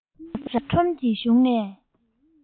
ར ས ཁྲོམ གྱི གཞུང ནས